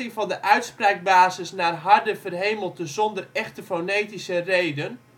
van de uitspraakbasis naar harde verhemelte zonder echte fonetische reden